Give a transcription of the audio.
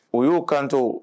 O y'o kanto